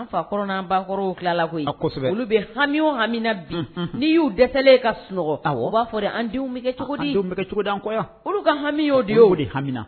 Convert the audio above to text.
An faɔrɔnan bakɔrɔw filala koyi olu bɛ hami hami bin n'i y'u dɛsɛ ka sunɔgɔ a o b'a fɔ de an denw bɛ cogodi denwcogodakɔya olu ka hami o de y'o de hami